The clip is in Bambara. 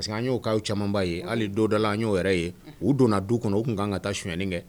Parce que an y'o cas caamanba ye hali don dɔ la an y'o yɛrɛ ye , u donna du kɔnɔ, u kun ka kan ka sonyali kɛ.